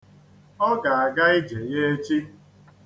Ọ ga-aga ije ya echi.